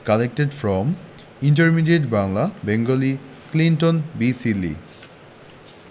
collected from intermediate Bangla Bengali Clinton B Seely